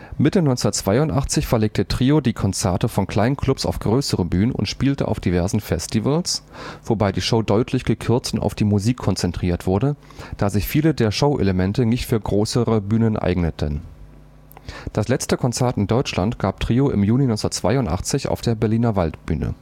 Mitte 1982 verlegte Trio die Konzerte von kleinen Clubs auf größere Bühnen und spielte auf diversen Festivals, wobei die Show deutlich gekürzt und auf die Musik konzentriert wurde, da sich viele der Showelemente nicht für größere Bühnen eigneten. Das letzte Konzert in Deutschland gab Trio im Juni 1982 auf der Berliner Waldbühne